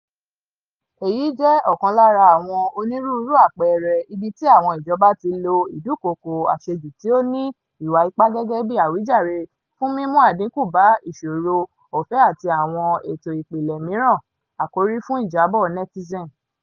Èyí jẹ́ ọ̀kan lára àwọn onírúurú àpẹẹrẹ ibi tí àwọn ìjọba ti lo ìdúkokò àṣejù tí ó ní ìwà ipá gẹ́gẹ́ bí àwíjàre fún mímú àdínkù bá ìsọ̀rọ̀ ọ̀fẹ́ àti àwọn ètò ìpìlẹ̀ mìíràn-àkòrí fún ìjábọ̀ Netizen.